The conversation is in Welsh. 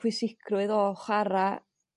pwysigrwydd o chwara'